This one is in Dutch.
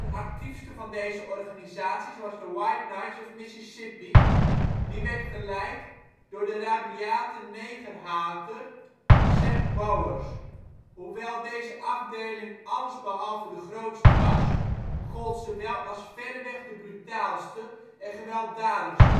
actiefste van deze organisaties was de " White Knights of Mississippi " die geleid werd door de rabiate negerhater Sam Bowers. Hoewel deze afdeling allesbehalve de grootste was, gold ze wel als verreweg de brutaalste en gewelddadigste